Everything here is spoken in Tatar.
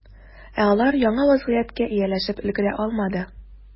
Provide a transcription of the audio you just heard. Ә алар яңа вәзгыятькә ияләшеп өлгерә алмады.